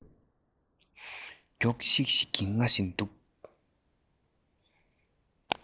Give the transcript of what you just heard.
མགྱོགས ཤིག ཤིག གིས རྔ བཞིན འདུག